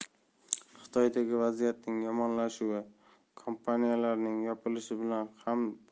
xitoydagi vaziyatning yomonlashuvi kompaniyalarning yopilishi bilan ham